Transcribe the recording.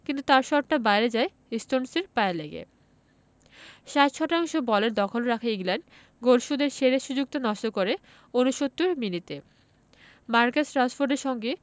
কিন্তু তাঁর শটটা বাইরে যায় স্টোনসের পায়ে লেগে ৬০ শতাংশ বলের দখল রাখা ইংল্যান্ড গোল শোধের সেরা সুযোগটা নষ্ট করে ৬৯ মিনিটে মার্কাস রাশফোর্ডের সঙ্গে